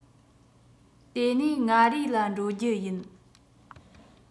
དེ ནས མངའ རིས ལ འགྲོ རྒྱུ ཡིན